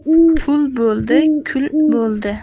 pul bo'ldi kul bo'ldi